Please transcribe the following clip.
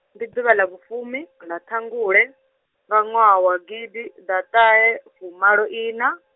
ndi ḓuvha ḽa vhufumi, ḽa ṱhangule, ḽa ṅwaha wa gidiḓaṱahefumaloiṋa.